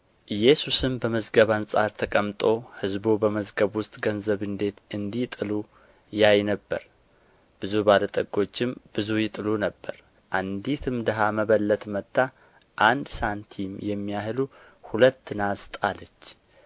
ኢየሱስም በመዝገብ አንጻር ተቀምጦ ሕዝቡ በመዝገብ ውስጥ ገንዘብ እንዴት እንዲጥሉ ያይ ነበር ብዙ ባለ ጠጎችም ብዙ ይጥሉ ነበር አንዲትም ድሀ መበለት መጥታ አንድ ሳንቲም የሚያህሉ ሁለት ናስ ጣለች